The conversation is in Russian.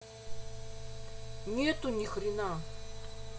нету нихера